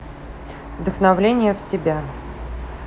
вдохновление в себя